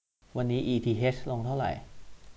วันนี้อีทีเฮชลงเท่าไหร่